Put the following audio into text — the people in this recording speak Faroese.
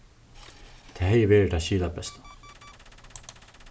tað hevði verið tað skilabesta